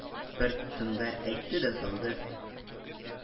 Бер тында әйтте дә салды: